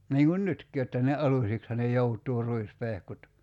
niin kuin nytkin jotta ne alusiksihan ne joutuu ruispehkut